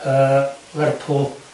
Lerpwl.